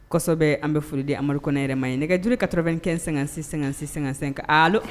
An bɛ foli di an amadurik yɛrɛmaa ye nɛgɛgej ka tura kɛ-----sɛ hali